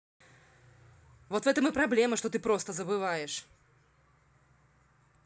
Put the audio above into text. вот в этом и проблема что ты просто забываешь